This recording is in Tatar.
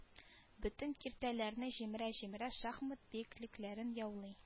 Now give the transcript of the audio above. Бөтен киртәләрне җимерә-җимерә шахмат биеклекләрен яулый